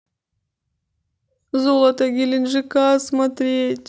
золото геленджика смотреть